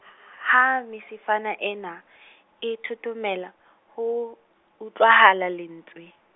ha, mesifana ena , e thothomela, ho, utlwahala lentswe.